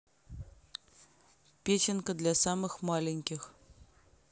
песенка для самых маленьких